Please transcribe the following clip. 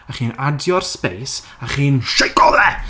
a chi'n adio'r sbeis a chi'n sieico fe.